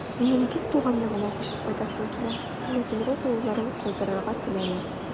Минем бик туган ягыма күчеп кайтасым килә, ләкин Роза улларын калдырырга теләми.